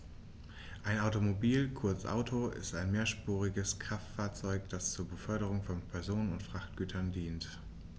Ein Automobil, kurz Auto, ist ein mehrspuriges Kraftfahrzeug, das zur Beförderung von Personen und Frachtgütern dient.